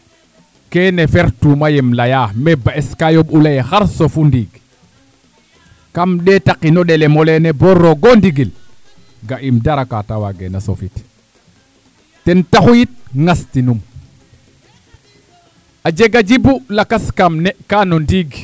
keene fertuuma yem layaa me ba'es ka layoogu yee xar sofu ndiig kam ɗeetaqin a ɗelem oleene boo roog o ndigil ga'iim dara kaate waageena sofit ten taxu yit ŋastinum a jega jibu lakas kam ni'kaa no ndiig